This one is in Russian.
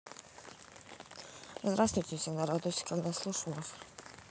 здравствуйте всегда радуюсь когда слышу вас